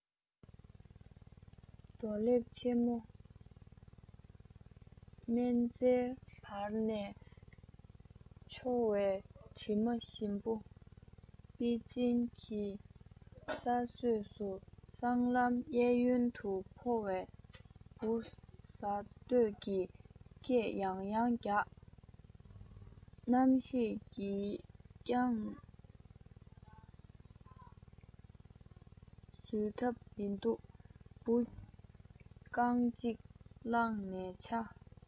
རྡོ ལེབ ཚ བོ སྨན རྩྭའི བར ནས འཕྱོ བའི དྲི མ ཞིམ པོ པེ ཅིན གྱི ས སྲོས སུ སྲང ལམ གཡས གཡོན དུ ཕོ བས འབུ ཟ འདོད ཀྱི སྐད ཡང ཡང རྒྱག རྣམ ཤེས ཀྱིས ཀྱང བཟོད ཐབས མི འདུག འབུ རྐང གཅིག བླངས ནས འཆའ